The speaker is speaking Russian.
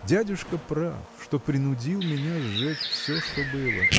Дядюшка прав, что принудил меня сжечь все, что было.